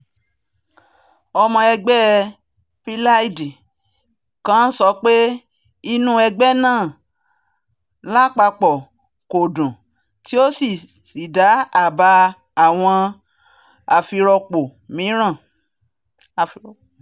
ọmọ ẹgbẹ́ Plaid kan sọpé inú ẹgbẹ náà lápapò "kò dùn" tí ó sì dá àbá àwọn àfirọ́pò mìíràn.